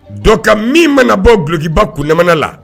Dɔka min mana bɔ bulokiba kun ɲamana la